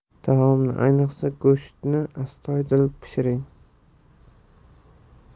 taomni ayniqsa go'shtni astoydil pishiring